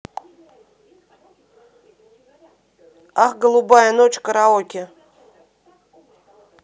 ах голубая ночь караоке